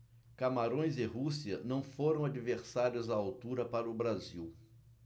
camarões e rússia não foram adversários à altura para o brasil